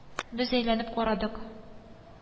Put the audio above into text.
Без әйләнеп карадык